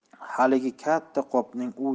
haligi katta qopning u